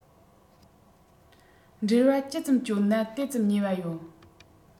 འབྲེལ བ ཇི ཙམ བསྐྱོད ན དེ ཙམ ཉེ བ ཡིན